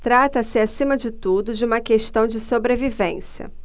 trata-se acima de tudo de uma questão de sobrevivência